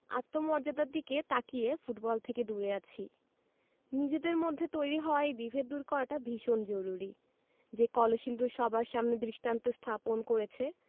আত্মমর্যাদার দিকে তাকিয়ে ফুটবল থেকে দূরে আছি নিজেদের মধ্যে তৈরি হওয়া এই বিভেদ দূর করাটা ভীষণ জরুরি যে কলসিন্দুর সবার সামনে দৃষ্টান্ত স্থাপন করেছে